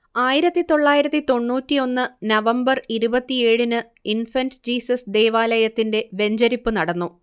ആയിരത്തി തൊള്ളായിരത്തി തൊണ്ണൂറ്റി ഒന്ന് നവംബർ ഇരുപത്തിയേഴിന് ഇൻഫന്റ് ജീസസ് ദേവാലയത്തിന്റെ വെഞ്ചരിപ്പ് നടന്നു